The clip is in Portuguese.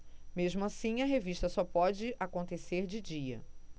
mesmo assim a revista só pode acontecer de dia